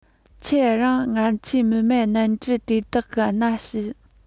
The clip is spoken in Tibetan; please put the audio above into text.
ཁྱེད རང ང ཚོའི མི མེད གནམ གྲུ དེ དག གིས སྣ ཤུ